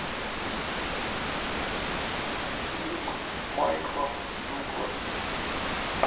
фильмы с майклом дугласом